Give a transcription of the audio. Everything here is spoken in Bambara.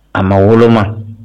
A ma woloma